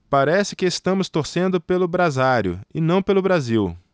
parece que estamos torcendo pelo brasário e não pelo brasil